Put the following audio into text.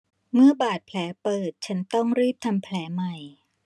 เมื่อบาดแผลเปิดฉันต้องรีบทำแผลใหม่